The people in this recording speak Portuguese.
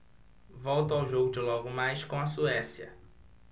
volto ao jogo de logo mais com a suécia